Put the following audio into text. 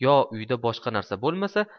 yo uyda boshqa narsa bo'lmasa